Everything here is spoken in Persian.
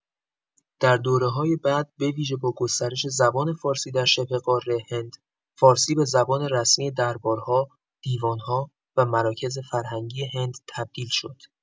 در دوره‌های بعد، به‌ویژه با گسترش زبان فارسی در شبه‌قاره هند، فارسی به زبان رسمی دربارها، دیوان‌ها و مراکز فرهنگی هند تبدیل شد.